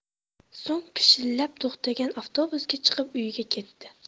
so'ng pishillab to'xtagan avtobusga chiqib uyiga ketdi